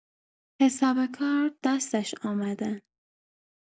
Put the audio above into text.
حساب کار دستش آمدن